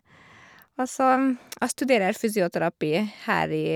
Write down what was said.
Og så jeg studerer fysioterapi her i Trondheim.